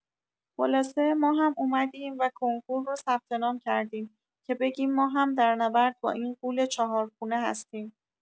خلاصه، ما هم اومدیم و کنکور رو ثبت‌نام کردیم که بگیم ما هم درنبرد با این غول چهارخونه هستیم.